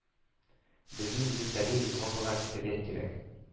Безнең егетләргә Европага китәргә кирәк.